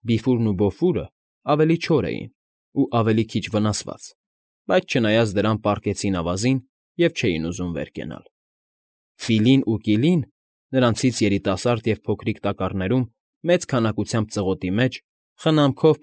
Բիֆուրն ու Բոֆուրը ավելի չոր էին ու ավելի քիչ վնասված, բայց չնայած դրան պառկեցին ավազին և չէին ուզում վեր կենալ. Ֆիլին ու Կիլին, նրանցից երիտասարդ և փոքրիկ տակառներում մեծ քանակությամբ ծղոտի մեջ խնամքով։